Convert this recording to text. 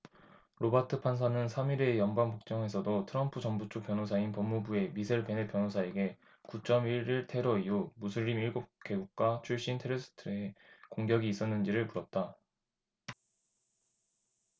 로바트 판사는 삼 일의 연방법정에서도 트럼프 정부쪽 변호사인 법무부의 미셀 베넷 변호사에게 구 쩜 일 일 테러 이후 무슬림 일곱 개국가 출신 테러리스트의 공격이 있었는지를 물었다